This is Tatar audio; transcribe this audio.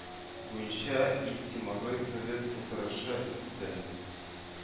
Буенча итимагый совет утырышы үтте